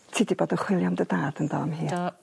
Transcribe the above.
Ti 'di bod y chwilio am dy dad yndo am hir. Do.